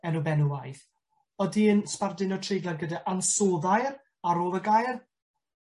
enw benywaidd. Odi yn sbarduno treiglad gyda ansoddair ar ôl y gair?